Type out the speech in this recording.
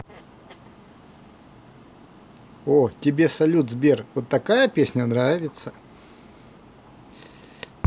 о тебе салют сбер вот такая песня нравится